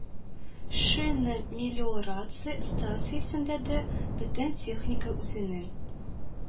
Шина-мелиорация станциясендә дә бөтен техника үзенең